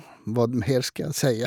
Hva mer skal jeg si?